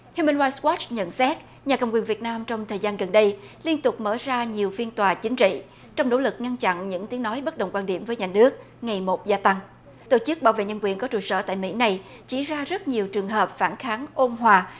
hiu mần roai goắt nhận xét nhà cầm quyền việt nam trong thời gian gần đây liên tục mở ra nhiều phiên tòa chính trị trong nỗ lực ngăn chặn những tiếng nói bất đồng quan điểm với nhà nước ngày một gia tăng tổ chức bảo vệ nhân quyền có trụ sở tại mỹ này chỉ ra rất nhiều trường hợp phản kháng ôn hòa